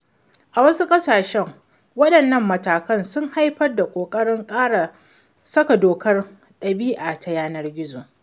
A wasu ƙasashen, waɗannan matakan sun haifar da ƙoƙarin ƙara saka dokar ɗab'i ta yanar gizo